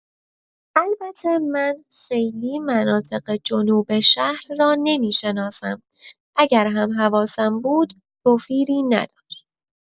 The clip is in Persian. البته من خیلی مناطق جنوب شهر را نمی‌شناسم اگر هم حواسم بود توفیری نداشت.